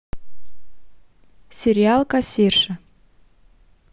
сериал кассирша